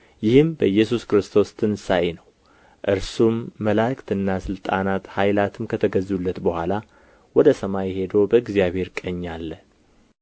ይህም በኢየሱስ ክርስቶስ ትንሣኤ ነው እርሱም መላእክትና ሥልጣናት ኃይላትም ከተገዙለት በኋላ ወደ ሰማይ ሄዶ በእግዚአብሔር ቀኝ አለ